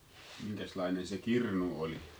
minkäslainen se kirnu oli